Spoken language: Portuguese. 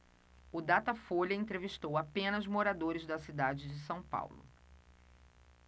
o datafolha entrevistou apenas moradores da cidade de são paulo